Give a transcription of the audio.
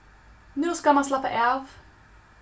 nú skal mann slappa av